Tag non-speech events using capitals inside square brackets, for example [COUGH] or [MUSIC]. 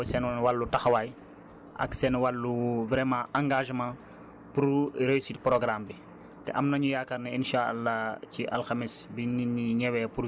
di remercier tamit baykat yi nga xamante ne ñoom ñoo nekk ci biir programme bi ci seen wàllu taxawaay ak seen wàllu [HESITATION] vraiment engagement pour réussite programme bi